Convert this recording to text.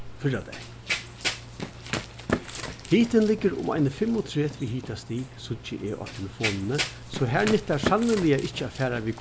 fyrradagin hitin liggur um eini fimmogtretivu hitastig síggi eg á telefonini so har nyttar sanniliga ikki at fara við